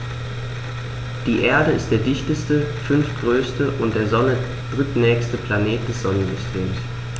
Die Erde ist der dichteste, fünftgrößte und der Sonne drittnächste Planet des Sonnensystems.